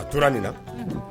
A tora nin na